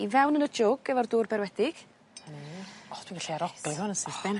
I fewn yn y jwg efo'r dŵr berwedig. O o dwi'n gallu aroglu hwn yn syth bin.